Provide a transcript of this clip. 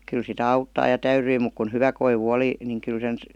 kyllä sitä auttaa ja täytyi mutta kun hyvä koivu oli niin kyllä sen